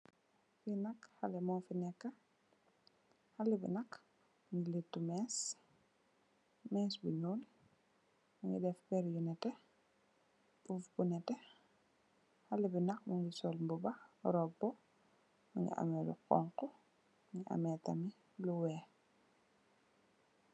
Fi nak haley mu fi nekka, haley bi nak mungi lettu mèss, mèss bu ñuul. Mungi def pèrr yu nètè, poff bu nètè. Haley bi nak mungi sol mbuba robu, mungi ameh lu honku, mungi ameh tamit lu weeh.